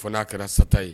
Fana a kɛra sata ye